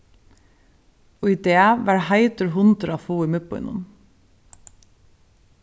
í dag var heitur hundur at fáa í miðbýnum